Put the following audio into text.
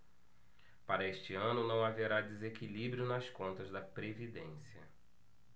para este ano não haverá desequilíbrio nas contas da previdência